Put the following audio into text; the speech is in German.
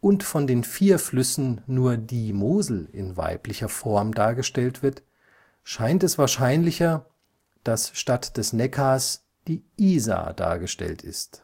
und von den vier Flüssen nur die Mosel in weiblicher Form dargestellt wird, scheint es wahrscheinlicher, dass statt des Neckars die Isar dargestellt ist